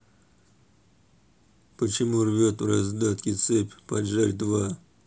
почему рвет в раздатке цепь поджарь два